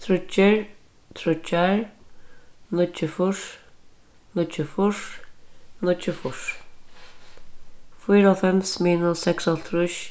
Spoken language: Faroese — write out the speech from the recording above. tríggir tríggjar níggjuogfýrs níggjuogfýrs níggjuogfýrs fýraoghálvfems minus seksoghálvtrýss